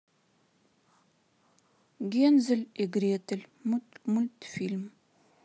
гензель и гретель мультфильм